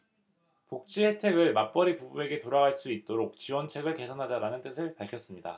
복지혜택을 맞벌이 부부에게 돌아갈 수 있도록 지원책을 개선하자 라는 뜻을 밝혔습니다